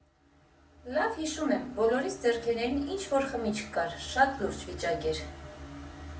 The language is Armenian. Լավ հիշում եմ, բոլորիս ձեռնքներին ինչ֊որ խմիչք կար, շատ լուրջ վիճակ էր։